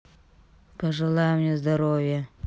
пожелай мне здоровья